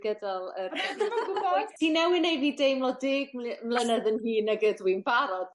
gydol y... ...ti newydd neu' fi deimlo deg mli- mlynedd yn hŷn nag ydw i'n barod